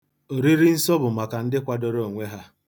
Oririnsọ bụ maka ndị kwadoro onwe ha.